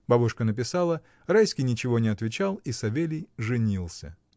Бабушка написала, Райский ничего не отвечал, и Савелий женился.